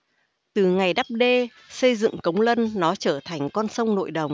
từ ngày đắp đê xây dựng cống lân nó trở thành con sông nội đồng